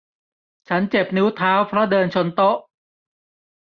ฉันเจ็บนิ้วเท้าเพราะเดินชนโต๊ะ